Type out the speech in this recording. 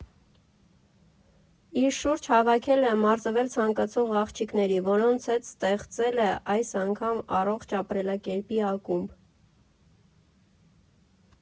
Իր շուրջ հավաքել է մարզվել ցանկացող աղջիկների, որոնց հետ ստեղծել է այս անգամ առողջ ապրելակերպի ակումբ։